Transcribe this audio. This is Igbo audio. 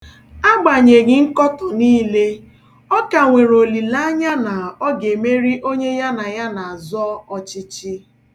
Agbanyeghị nkọtọ niile, ọ ka nwere olilaanya na ọ ga-emeri onye ya na ya na-azọ ọchịchị.